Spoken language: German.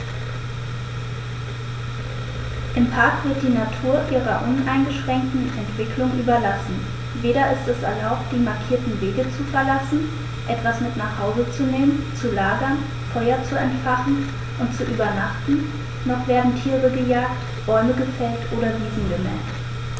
Im Park wird die Natur ihrer uneingeschränkten Entwicklung überlassen; weder ist es erlaubt, die markierten Wege zu verlassen, etwas mit nach Hause zu nehmen, zu lagern, Feuer zu entfachen und zu übernachten, noch werden Tiere gejagt, Bäume gefällt oder Wiesen gemäht.